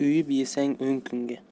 yetar o'yib yesang o'n kunga